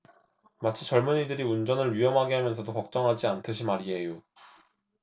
마치 젊은이들이 운전을 위험하게 하면서도 걱정하지 않듯이 말이에요